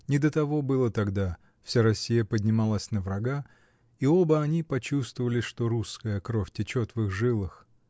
не до того было тогда: вся Россия поднималась на врага, и оба они почувствовали, что русская кровь течет в их жилах.